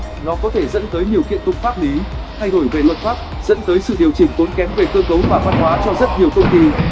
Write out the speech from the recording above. nó có thể dẫn tới nhiều kiện tụng pháp lý thay đổi về luật pháp dẫn tới sự điều chỉnh tốn kém về cơ cấu và văn hóa cho rất nhiều công ty